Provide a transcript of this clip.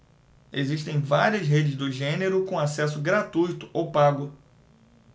existem várias redes do gênero com acesso gratuito ou pago